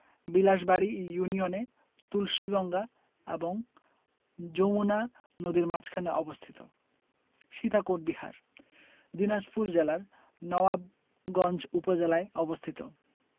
বিলাসবাড়ি ইউনিয়নে তুলসীগঙ্গা এবং যমুনা নদীর মাঝখানে অবস্থিত সীতাকোট বিহার দিনাজপুর জেলার নওয়াবগঞ্জ উপজেলায় অবস্থিত